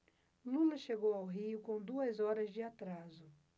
lula chegou ao rio com duas horas de atraso